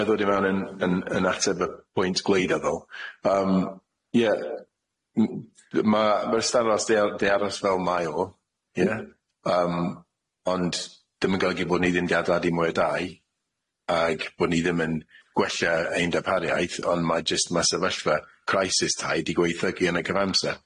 Ga'l ddod i mewn yn yn yn ateb y pwynt gwleidyddol yym ie m- ma' ma'r ystarros di ar- di aros fel mae o... Ie. ...yym ond dim yn golygu bo' ni ddim ga'l dadu mwy o dai ag bo' ni ddim yn gwella ein darpariaeth ond ma' jyst ma' sefyllfa crisis tai di gweithygu yn y cyfamser.